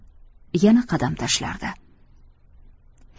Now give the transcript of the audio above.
keyin yana qadam tashlardi